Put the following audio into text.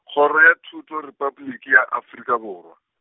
Kgoro ya Thuto Repabliki ya Afrika Borwa.